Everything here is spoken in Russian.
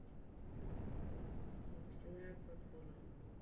нефтяная платформа